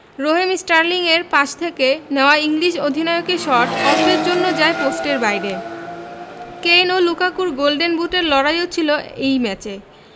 রহিম স্টার্লিংয়ের পাস থেকে নেওয়া ইংলিশ অধিনায়কের শট অল্পের জন্য যায় পোস্টের বাইরে কেইন ও লুকাকুর গোল্ডেন বুটের লড়াইও ছিল এই ম্যাচ এ